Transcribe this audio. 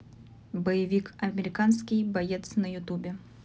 боевик американский боец на ютубе